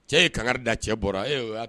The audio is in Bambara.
Cɛ ye kan da cɛ bɔra ee